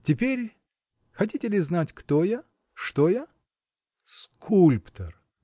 Теперь, хотите ли знать, кто я, что я?. Скульптор!